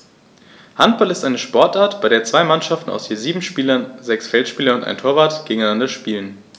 Handball ist eine Sportart, bei der zwei Mannschaften aus je sieben Spielern (sechs Feldspieler und ein Torwart) gegeneinander spielen.